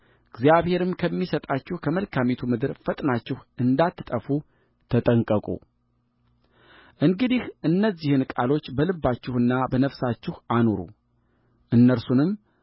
እግዚአብሔርም ከሚሰጣችሁ ከመልካሚቱ ምድር ፈጥናችሁ እንዳትጠፉ ተጠንቀቁእንግዲህ እነዚህን ቃሎች በልባችሁና በነፍሳችሁ አኑሩ እነርሱንም